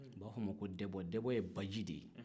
b'a f'o ma ko dɛbɔ dɛbɔ ye baji de ye